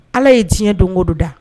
Ala ye diɲɛ donkoda